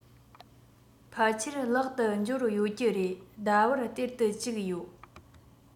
ཕལ ཆེར ལག ཏུ འབྱོར ཡོད ཀྱི རེད ཟླ བར སྟེར དུ བཅུག ཡོད